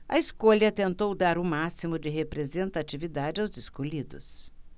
a escolha tentou dar o máximo de representatividade aos escolhidos